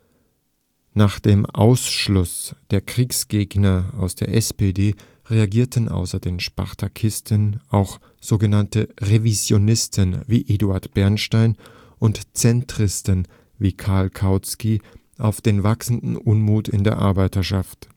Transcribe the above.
Nach dem Ausschluss der Kriegsgegner aus der SPD reagierten außer den Spartakisten auch sogenannte Revisionisten wie Eduard Bernstein und Zentristen wie Karl Kautsky auf den wachsenden Unmut in der Arbeiterschaft